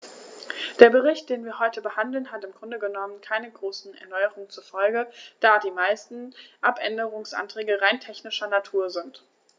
Der Bericht, den wir heute behandeln, hat im Grunde genommen keine großen Erneuerungen zur Folge, da die meisten Abänderungsanträge rein technischer Natur sind.